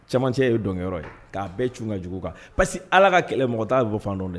Cɛmancɛ ye dɔnyɔrɔ ye k'a bɛɛ c ka jugu kan parce que ala ka kɛlɛ mɔgɔ t'a fɔ fan dɔn dɛ